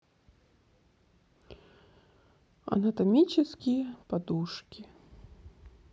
анатомические подушки